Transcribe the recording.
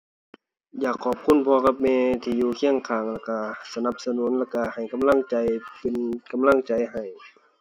อยากขอบคุณพ่อกับแม่ที่อยู่เคียงข้าง แล้วก็สนับสนุน แล้วก็ให้กำลังใจ เป็นกำลังใจให้